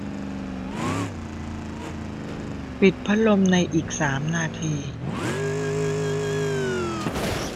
ปิดพัดลมในอีกสามนาที